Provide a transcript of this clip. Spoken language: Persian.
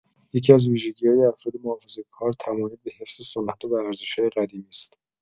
یکی‌از ویژگی‌های افراد محافظه‌کار، تمایل به حفظ سنت‌ها و ارزش‌های قدیمی است.